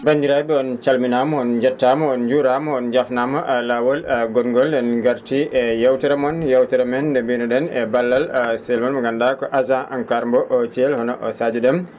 banndiraa?e on calminaama on njettaama on njuuraama on njaafnaama laawol ngon ngol en ngartii e yeewtere mon e yeewtere men nde mbiino ?en e ballal serveur mo nganndu?aa ko agent ENCAR mo Thiel hono Sadio Déme